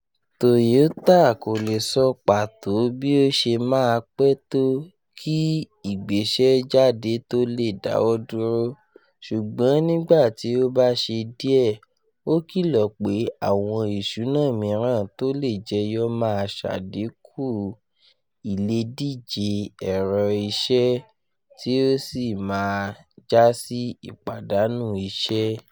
Toyota kò le sọ pàtò bí ó ṣe máa pẹ́ tó kí ìgbéṣẹ́jáde tó le dáwọ́ dúró, ṣùgbọ́n nígbà tí ó bá ṣe díẹ̀, ó kìlọ̀ pé àwọn ìṣùnà mìràn tó le jẹyọ máa ṣàdínkù ìledíje ẹ̀rọ ìṣẹ́ tí ó sì máa jásí ìpàdánù iṣẹ́.